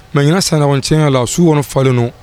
Maisɲ ɲinan san tiɲɛɲɛna la suɔrɔn falenlen don